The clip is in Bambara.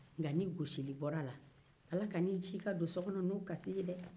nka ni gosili bɔla a la ala kana i ci i ka don sokɔnɔ n'o kasi ye dɛɛ